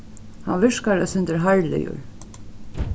hann virkar eitt sindur harðligur